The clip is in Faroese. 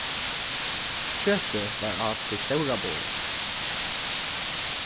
kjøtið var á tí stóra borðinum